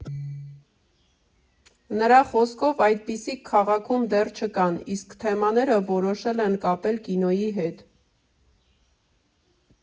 Նրա խոսքով՝ այդպիսիք քաղաքում դեռ չկան, իսկ թեմաները որոշել են կապել կինոյի հետ։